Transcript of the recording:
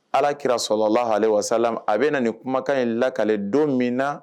Ala kira salahu walema salam a be na nin kumakan in lakale don min na